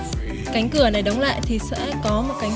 cánh cửa này đóng lại thì sẽ có